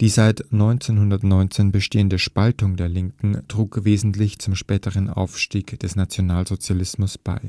Die seit 1919 bestehende Spaltung der Linken trug wesentlich zum späteren Aufstieg des Nationalsozialismus bei